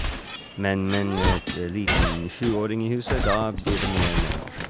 men Men et liten sjuåring i huset, da blir det mye mer norsk.